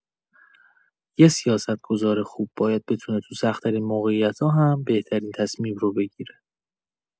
یه سیاستگزار خوب باید بتونه تو سخت‌ترین موقعیتا هم بهترین تصمیم رو بگیره.